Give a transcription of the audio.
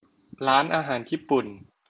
ร้านอาหารญี่ปุ่น